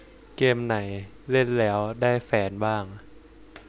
เกมไหนเล่นแล้วได้แฟนบ้าง